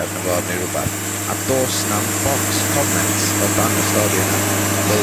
arno fo neu rwbath, a do's na'm bocs comments o dan y stori yna... Hmm. ...wel,